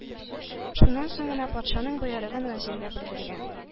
Шуннан соң гына патшаның боерыгын вәзиргә белдергән.